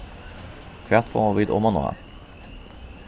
hvat fáa vit omaná